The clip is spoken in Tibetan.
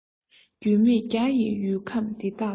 རྒྱུས མེད རྒྱ ཡི ཡུལ ཁམས འདི དག ཏུ